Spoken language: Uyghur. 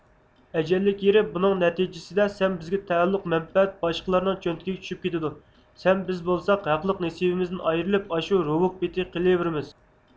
ئەجەللىك يېرى بۇنىڭ نەتىجىسىدە سەن بىزگە تەئەللۇق مەنپەئەت باشقىلارنىڭ چۆنتىكىگە چۈشۈپ كېتىدۇ سەن بىز بولساق ھەقلىق نېسىۋىمىزدىن ئايرىلىپ ئاشۇ روۋۇك پېتى قېلىۋېرىمىز